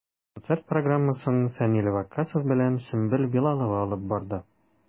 Концерт программасын Фәнил Ваккасов белән Сөмбел Билалова алып барды.